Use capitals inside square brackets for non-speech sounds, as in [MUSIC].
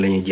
[HESITATION] [HESITATION]